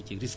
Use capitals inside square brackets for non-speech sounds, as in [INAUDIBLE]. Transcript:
[HESITATION] [HESITATION]